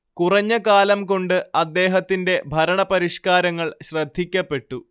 കുറഞ്ഞ കാലം കൊണ്ട് അദ്ദേഹത്തിന്റെ ഭരണ പരിഷ്കാരങ്ങൾ ശ്രദ്ധിക്കപ്പെട്ടു